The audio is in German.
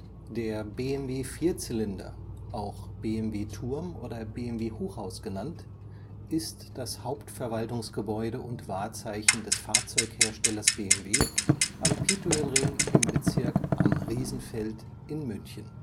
Der BMW-Vierzylinder (auch: BMW-Turm, BMW-Hochhaus) ist das Hauptverwaltungsgebäude und Wahrzeichen des Fahrzeugherstellers BMW am Petuelring im Bezirk Am Riesenfeld in München